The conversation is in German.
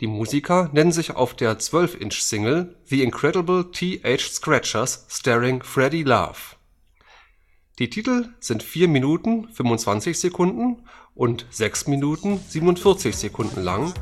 Die Musiker nennen sich auf der 12″-Single „ The Incredible T. H. Scratchers “starring: „ Freddy Love “. Die Titel sind 4 Minuten 25 Sekunden und 6 Minuten 47 Sekunden lang